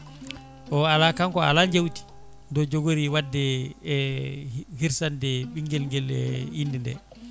o ala kanko o ala jawdi ndi o joogori wadde e hirsande ɓinguel nguel e inde nde